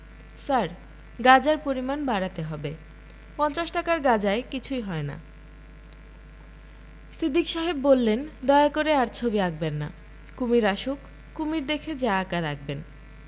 sir গাঁজার পরিমাণ বাড়াতে হবে পঞ্চাশ টাকার গাজায় কিছুই হয় না সিদ্দিক সাহেব বললেন দয়া করে আর ছবি আঁকবেন না কুশীর আসুক কুমীর দেখে যা আঁকার আঁকবেন